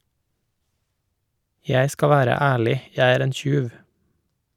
- Jeg skal være ærlig , jeg er en tjuv.